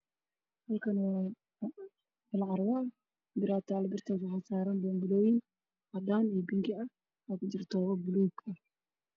Halkaan waa carwo bir ayaa taalo waxaa saaran boonbalooyin cadaan iyo bingi ah waxaa kujiro toobab buluug ah.